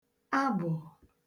abụ̀